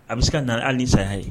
A bɛ se ka na hali ni saya ye